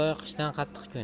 oy qishdan qattiq kun